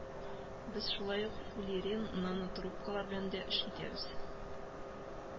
Без шулай ук фулерен, нанотрубкалар белән дә эш итәбез